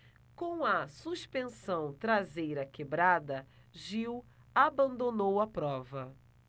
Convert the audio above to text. com a suspensão traseira quebrada gil abandonou a prova